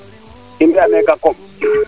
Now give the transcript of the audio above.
i saarnika koɓ